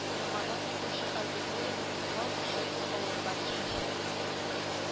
Яңадан укучы аудиторияне туплау эше авырга төшәчәк